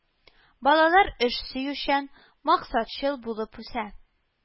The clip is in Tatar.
Балалар эш сөючән, максатчыл булып үсә